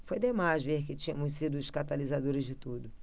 foi demais ver que tínhamos sido os catalisadores de tudo